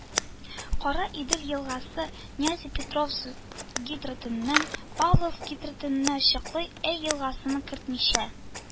Караидел елгасы, Нязепетровск гидротөененнән Павловск гидротөененә чаклы Әй елгасын кертмичә